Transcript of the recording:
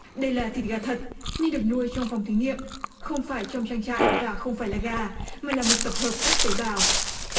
đây là thịt gà thật nên được nuôi trong phòng thí nghiệm không phải trong trang trại và không phải là gà mà là một tập hợp các tế bào